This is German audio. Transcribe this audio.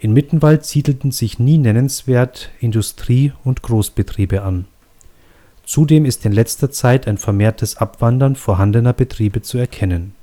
Mittenwald siedelten sich nie nennenswert Industrie - und Großbetriebe an. Zudem ist in letzter Zeit ein vermehrtes Abwandern vorhandener Betriebe zu erkennen